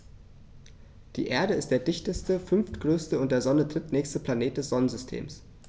Die Erde ist der dichteste, fünftgrößte und der Sonne drittnächste Planet des Sonnensystems.